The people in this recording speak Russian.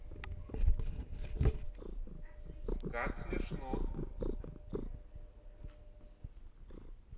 как смешно